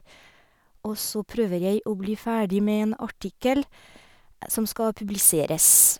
Og så prøver jeg å bli ferdig med en artikkel som skal publiseres.